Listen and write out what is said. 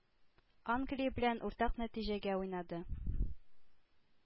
Англия белән уртак нәтиҗәгә уйнады.